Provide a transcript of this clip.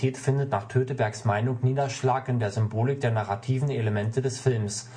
findet nach Tötebergs Meinung Niederschlag in der Symbolik der narrativen Elemente des Films